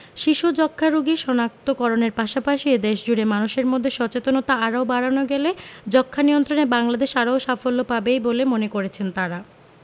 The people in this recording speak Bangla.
শিশু যক্ষ্ণারোগী শনাক্ত করণের পাশাপাশি দেশজুড়ে মানুষের মধ্যে সচেতনতা আরও বাড়ানো গেলে যক্ষ্মানিয়ন্ত্রণে বাংলাদেশ আরও সাফল্য পাবেই বলে মনে করছেন তারা